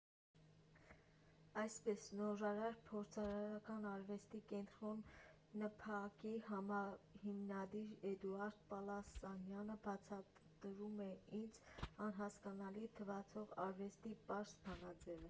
Այսպես Նորարար Փորձարարական Արվեստի Կենտրոնի՝ ՆՓԱԿ֊ի համահիմնադիր Էդուարդ Պալասանյանը բացատրում է ինձ անհասկանալի թվացող արվեստի պարզ բանաձևը։